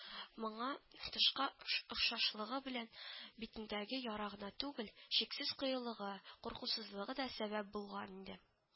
Моңа тышкы охохшашлыгы белән битендәге яра гына түгел, чиксез кыюлыгы, куркусызлыгы да сәбәп булган иде